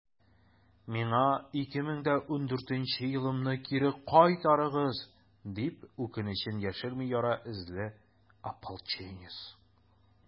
«миңа 2014 елымны кире кайтарыгыз!» - дип, үкенечен яшерми яра эзле ополченец.